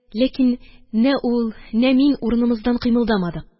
Ләкин нә ул, нә мин урынымыздан кыймылдамадык.